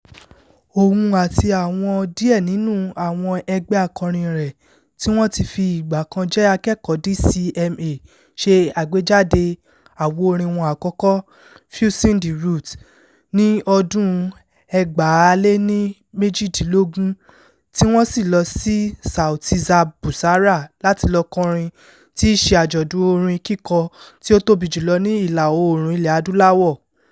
Òun àti àwọn díẹ̀ nínú àwọn ẹgbẹ́ akọrin rẹ̀ tí wọ́n ti fi ìgbà kan jẹ́ akẹ́kọ̀ọ́ DCMA ṣe àgbéjáde àwo orin wọn àkọ́kọ́, "Fusing the Roots", ní ọdún-un 2018, tí wọ́n sì ń lọ sí Sauti za Busara láti lọ kọrin, tí í ṣe àjọ̀dún orin kíkọ tí ó tóbi jù lọ ní Ìlà-oòrùn Ilẹ̀ Adúláwọ̀.